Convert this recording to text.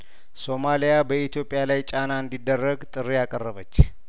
ሶማሊያ በኢትዮጵያ ላይ ጫና እንዲደረግ ጥሪ አቀረበች